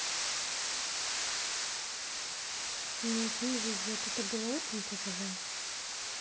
нет не везет это было очень тяжело